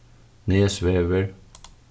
nesvegur